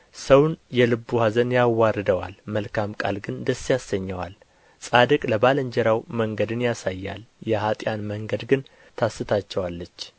ሰውን የልቡ ኀዘን ያዋርደዋል መልካም ቃል ግን ደስ ያሰኘዋል ጻድቅ ለባልንጀራው መንገዱን ያሳያል የኀጥኣን መንገድ ግን ታስታቸዋለች